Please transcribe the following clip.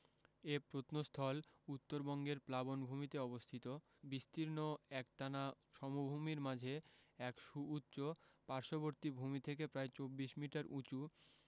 এ প্রত্নস্থল উত্তরবঙ্গের প্লাবনভূমিতে অবস্থিত বিস্তীর্ণ একটানা সমভূমির মাঝে এক সুউচ্চ পার্শ্ববর্তী ভূমি থেকে প্রায় ২৪ মিটার উঁচু